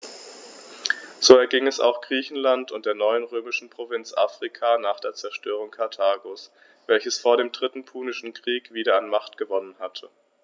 So erging es auch Griechenland und der neuen römischen Provinz Afrika nach der Zerstörung Karthagos, welches vor dem Dritten Punischen Krieg wieder an Macht gewonnen hatte.